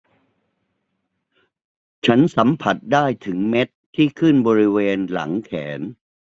ฉันสัมผัสได้ถึงเม็ดที่ขึ้นบริเวณหลังแขน